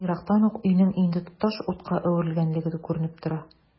Ерактан ук өйнең инде тоташ утка әверелгәнлеге күренеп тора.